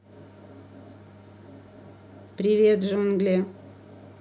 привет джули